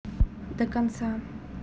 до конца